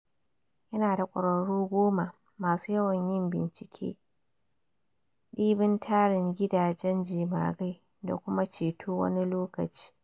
Yana da kwarraru goma, masu yawan yin bincike, dibin tarin gidajen jemagai da kuma ceto wani lokaci.